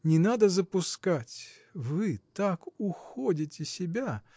не надо запускать, вы так уходите себя.